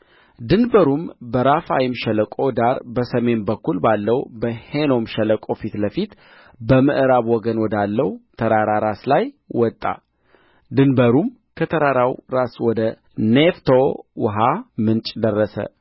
ድንበሩም በራፋይም ሸለቆ ዳር በሰሜን በኩል ባለው በሄኖም ሸለቆ ፊት ለፊት በምዕራብ ወገን ወዳለው ተራራ ራስ ላይ ወጣ ድንበሩም ከተራራው ራስ ወደ ኔፍቶ ውኃ ምንጭ ደረሰ